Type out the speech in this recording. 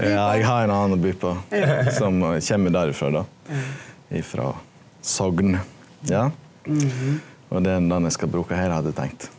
ja eg har ein annan å by på som kjem der ifrå då ifrå Sogn ja og det er den eg skal bruka her hadde eg tenkt.